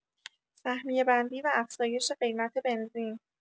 سهمیه‌بندی و افزایش قیمت بنزین